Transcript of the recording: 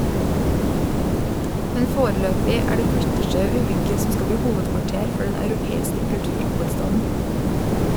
Men foreløpig er det flyttesjau i bygget som skal bli hovedkvarter for den europeiske kulturhovedstaden.